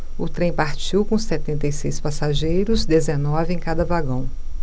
o trem partiu com setenta e seis passageiros dezenove em cada vagão